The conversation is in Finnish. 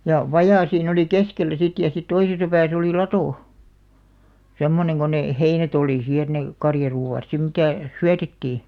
ja vaja siinä oli keskellä sitten ja sitten toisessa päässä oli lato semmoinen kun ne heinät oli siinä että ne karjaruoat sitten mitä syötettiin